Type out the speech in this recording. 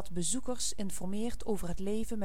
bezoekers informeert over het leven